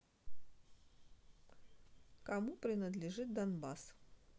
кому принадлежит донбасс